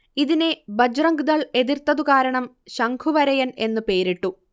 ഇതിനെ ബജ്റംഗ്ദൾ എതിർത്തതുകാരണം 'ശംഖുവരയൻ' എന്ന് പേരിട്ടു